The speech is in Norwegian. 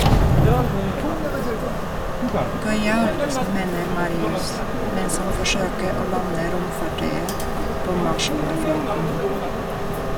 - Gøyalt, mener Marius, mens han forsøker å lande romfartøyet på Mars-overflaten.